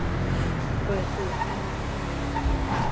เปิดสูตรอาหารไทย